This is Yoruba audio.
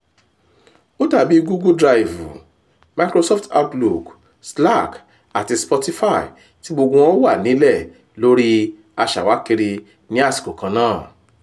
Ó dábí Google Drive, Microsoft Outlook, Slack àti Spotify tí gbogbo wọ́n wà nílẹ̀ lórí aṣawákiri ní àṣìkò kannáà.